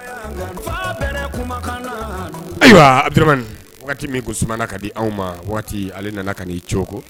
Ayiwa waati min ko sumana ka di aw ma waati ale nana ka ii cogo